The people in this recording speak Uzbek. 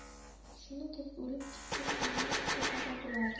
shuni deb o'lib ketsang ammo juda xafa bo'lardim